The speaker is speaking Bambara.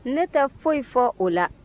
ne tɛ foyi fɔ o la